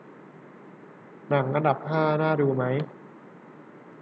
หนังอันดับห้าน่าดูไหม